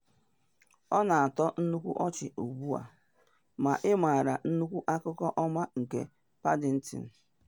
Ọ na atọ nnukwu ọchị ugbu a ma ị mara nnukwu akụkọ ọma nke Paddington.”